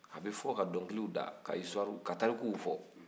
a bɛ fɔ ka dɔnkili da ka histoire ka tarikuw fɔ